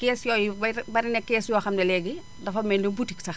kees yooyu bari na kees yoo xam ne ni léegi dafa mel ni boutique sax